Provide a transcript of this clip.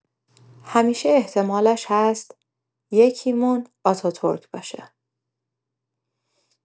همیشه احتمالش هست یکیمون آتاتورک باشه!